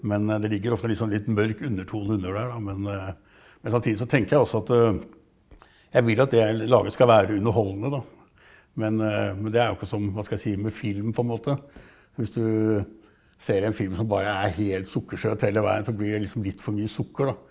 men det ligger ofte en litt sånn litt mørk undertone under der da, men men samtidig så tenker jeg også at jeg vil at det jeg lager skal være underholdende da, men men det er jo ikke sånn hva skal jeg si med film på en måte, hvis du ser en film som bare er helt sukkersøt hele veien så blir det liksom litt for mye sukker da.